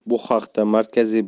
bu haqda markaziy